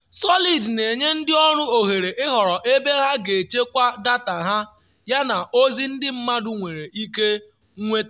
Solid na-enye ndị ọrụ oghere ịhọrọ ebe ha ga-echekwa data ha yana ozi ndị mmadụ nwere ike nweta.